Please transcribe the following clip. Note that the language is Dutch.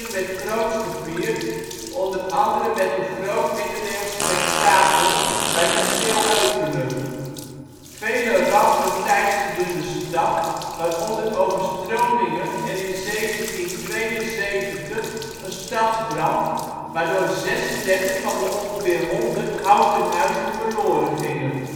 werd groots gevierd, onder andere met een groot Middeleeuws Spektakel bij Kasteel Heukelum. Vele rampen teisterden de stad waaronder overstromingen en in 1772 een stadsbrand waardoor 36 van de ongeveer 100 houten huizen verloren gingen